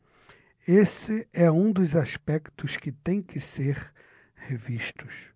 esse é um dos aspectos que têm que ser revistos